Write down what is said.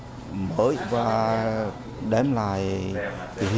mới và đem lại